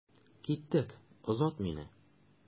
Киттек, озат мине.